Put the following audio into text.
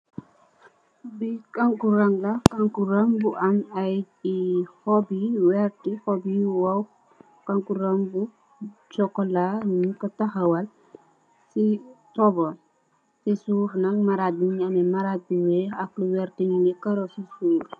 Li kankuran la, kankuran bu am ay xop yu werta, xop yu waw. Kankuran bu sokola ñing ko taxawal ci tabax, ci suuf nak mugii ameh maraji bu wèèx ak bu werta ñi ñgi karó ci suuf.